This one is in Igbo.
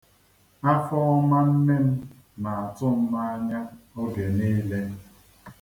Afọọma nne m na-atụ m n'anya oge niile.